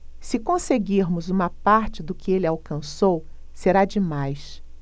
se conseguirmos uma parte do que ele alcançou será demais